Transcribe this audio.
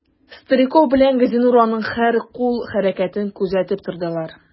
Стариков белән Газинур аның һәр кул хәрәкәтен күзәтеп тордылар.